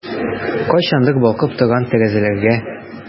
Кайчандыр балкып торган тәрәзәләргә...